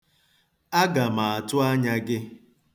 Aga m atụ anya gị.